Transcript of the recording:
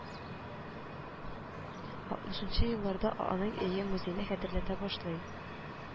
Алтмышынчы елларда аның өе музейны хәтерләтә башлый